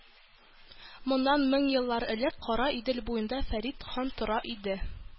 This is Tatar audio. Моннан мең еллар элек Кара Идел буенда Фәрит хан тора иде.